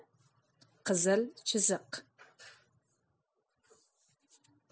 qizil chiziqlar